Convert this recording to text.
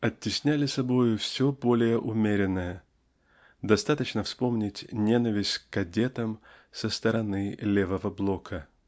оттесняло собою все более умеренное (достаточно вспомнить ненависть к "кадетам" со стороны "левого блока").